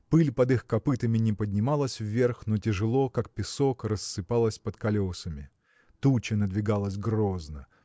Пыль под их копытами не поднималась вверх но тяжело как песок рассыпалась под колесами. Туча надвигалась грозно.